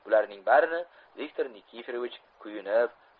bularning barini viktor nikiforovich kuyunib